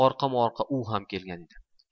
orqama orqa u ham kelgan edi